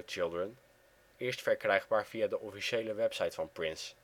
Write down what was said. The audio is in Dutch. Children) eerst verkrijgbaar via de officiële website van Prince